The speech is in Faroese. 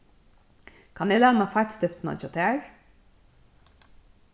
kann eg læna feittstiftina hjá tær